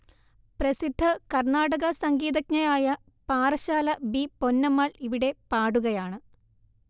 പ്രസിദ്ധ കർണാടക സംഗീതജ്ഞയായ പാറശ്ശാല ബി പൊന്നമ്മാൾ ഇവിടെ പാടുകയാണ്